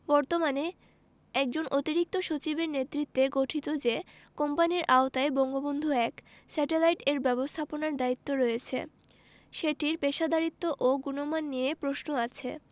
বর্তমানে একজন অতিরিক্ত সচিবের নেতৃত্বে গঠিত যে কোম্পানির আওতায় বঙ্গবন্ধু ১ স্যাটেলাইট এর ব্যবস্থাপনার দায়িত্ব রয়েছে সেটির পেশাদারিত্ব ও গুণমান নিয়ে প্রশ্ন আছে